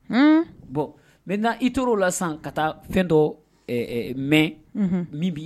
Bɔn n itor' o la ka taa fɛn dɔ mɛn minbi